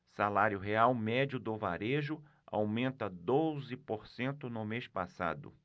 salário real médio do varejo aumenta doze por cento no mês passado